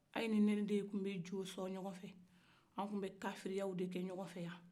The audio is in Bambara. aw ni ne de kun bɛ jo sɔn ɲɔgɔfɛ an kun bɛ kariyaw kɛ ɲɔgɔfɛ